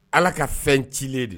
Ala ka fɛn cilen de